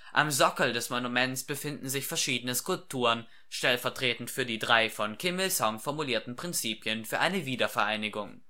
Am Sockel des Monuments befinden sich verschiedene Skulpturen, stellvertretend für die drei von Kim Il-sung formulierten Prinzipien für eine Wiedervereinigung